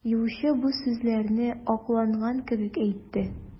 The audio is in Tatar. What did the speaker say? Юлчы бу сүзләрне акланган кебек әйтте.